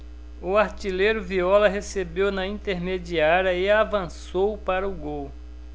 o artilheiro viola recebeu na intermediária e avançou para o gol